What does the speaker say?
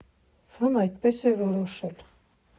Ֆ֊ն այդպես է որոշել…